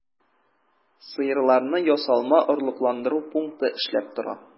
Сыерларны ясалма орлыкландыру пункты эшләп тора.